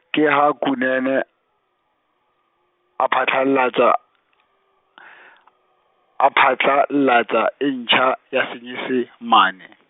ke ha Kunene, a phatlallatsa , a phatlallatsa e ntjha ya Senyesemane.